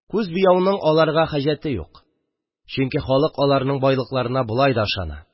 Күз буяуның аларга хәҗәте юк, чөнки халык аларның байлыкларына болай да ышана